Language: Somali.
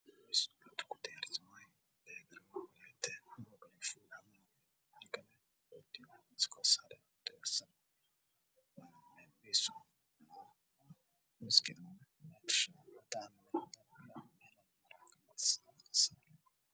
Waa meel maqaayad miiska waxaa saaran aan beegar qodaar ku jiraan oo midabkiis yahay jec